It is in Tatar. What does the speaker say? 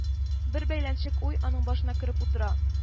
Бер бәйләнчек уй аның башына кереп утыра